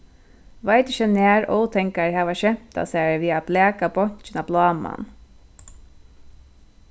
veit ikki nær ótangar hava skemtað sær við at blaka bonkin á bláman